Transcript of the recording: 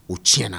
O tiɲɛna na